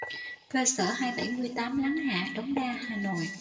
cơ sở hai bảy mươi tám láng hạ đống đa hà nội